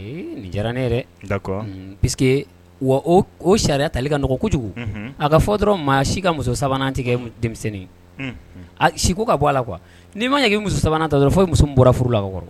Nin diyara ne yɛrɛ p que wa o ko sariya tali kaɔgɔn kojugu a ka fɔ dɔrɔn maa si ka muso sabanan tigɛ denmisɛnnin a ko ka bɔ ala kuwa n'i ma ɲɛ' muso sabanan ta dɔrɔn fo i muso bɔra furu la kɔrɔ